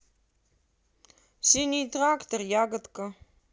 синий трактор ягодка